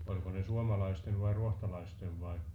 oliko ne suomalaisten vai ruotsalaisten vai